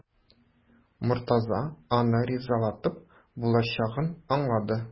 Мортаза аны ризалатып булачагын аңлады.